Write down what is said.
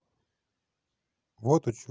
вот и учись